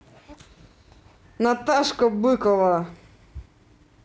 наташка быкова